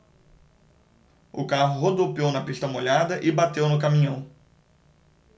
o carro rodopiou na pista molhada e bateu no caminhão